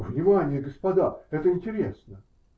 -- Внимание, господа, это интересно.